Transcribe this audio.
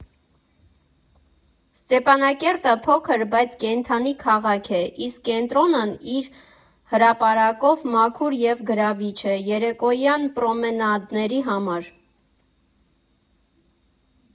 Ստեփանակերտը փոքր, բայց կենդանի քաղաք է, իսկ կենտրոնն իր հրապարակով մաքուր և գրավիչ է երեկոյան պռոմենադների համար։